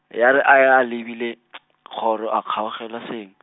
ya re a ya a lebile , kgoro a kgaogelwa seng.